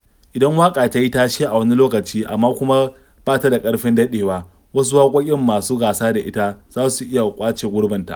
Idan waƙa ta yi tashe a wani lokaci amma kuma ba ta da ƙarfin daɗewa, wasu waƙoƙin masu gasa da ita za su iya ƙwace gurbinta.